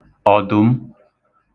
ọ̀dụ̀m